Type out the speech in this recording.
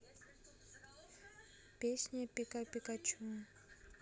песня пика пикачу